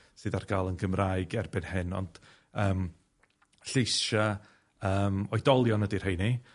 sydd ar ga'l yn y Gymraeg erbyn hyn ond yym lleisia' yym oedolion ydi rheiny